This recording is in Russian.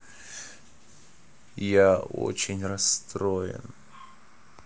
я очень расстроен